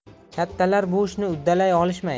kattalar bu ishni uddalay olishmaydi